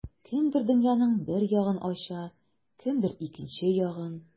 Кемдер дөньяның бер ягын ача, кемдер икенче ягын.